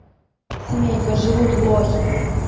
семейка живут лохи